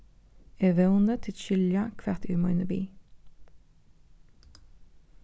eg vóni tit skilja hvat eg meini við